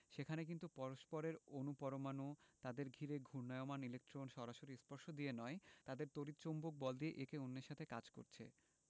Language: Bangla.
সেখানে কিন্তু পরস্পরের অণু পরমাণু তাদের ঘিরে ঘূর্ণায়মান ইলেকট্রন সরাসরি স্পর্শ দিয়ে নয় তাদের তড়িৎ চৌম্বক বল দিয়ে একে অন্যের সাথে কাজ করছে